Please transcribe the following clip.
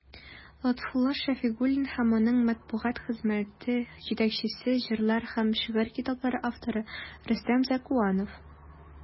Лотфулла Шәфигуллин һәм аның матбугат хезмәте җитәкчесе, җырлар һәм шигырь китаплары авторы Рөстәм Зәкуанов.